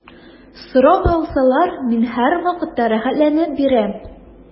Сорап алсалар, мин һәрвакытта рәхәтләнеп бирәм.